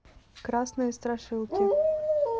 красные страшилки